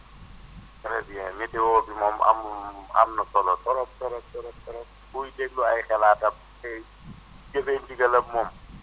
très bien météo bi moom am na solo trop trop trop trop kuy déglu ay xalaatam te jëfee ndigalam moom